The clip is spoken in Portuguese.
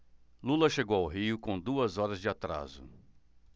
lula chegou ao rio com duas horas de atraso